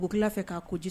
Bla fɛ ka' ko